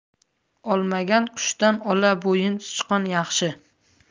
olmagan qushdan ola bo'yin sichqon yaxshi